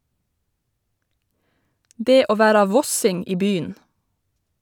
Det å vera vossing i by'n.